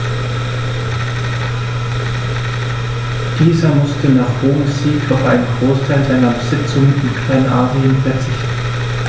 Dieser musste nach Roms Sieg auf einen Großteil seiner Besitzungen in Kleinasien verzichten.